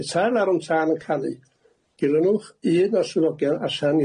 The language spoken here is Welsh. Pe tai'r larwm tân yn canu dilynwch un o'r swyddogion allan